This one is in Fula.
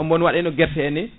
mono waɗe no guerte en ni